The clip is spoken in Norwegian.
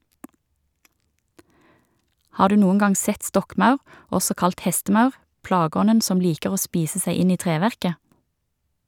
Har du noen gang sett stokkmaur, også kalt hestemaur, plageånden som liker å spise seg inn i treverket?